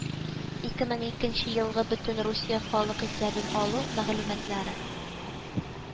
Ике мең икенче елгы бөтенрусия халык исәбен алу мәгълүматлары